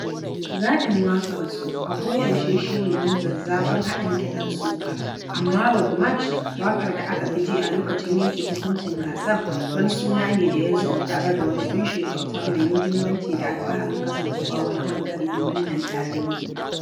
Zaɓin waƙarsu a koyaushe shi ne wani zazzafan haɗin kiɗan soca, amma Road March - waƙar da aka fi ji a lokacin yanke hukuncin gasar - wani suna ne da ya zo tare da wani ƙunshin kyauta mai muhimmanci da alfaharin kasancewa wani ɓangare na wannan tarihi.